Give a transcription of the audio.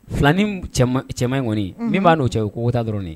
Filanin cɛman in kɔniɔni min b'a'o cɛ ye kota dɔrɔnɔnin